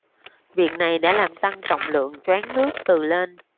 việc này đã làm tăng trọng lượng choán nước từ lên